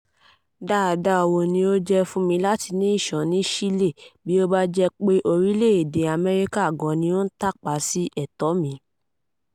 Dáadáa wo ni ó jẹ́ fún mi láti ní ìṣọ́ ní Chile bí ó bá jẹ́ pé orílẹ̀-èdè Amẹ́ríkà gan ni ó ń tàpá sí ẹ̀tọ́ mi?